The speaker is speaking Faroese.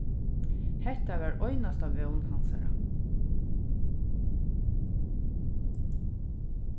hetta var einasta vón hansara